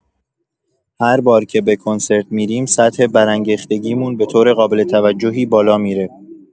هر بار که به کنسرت می‌ریم، سطح برانگیختگیمون به‌طور قابل‌توجهی بالا می‌ره.